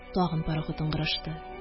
Тагын парахут ыңгырашты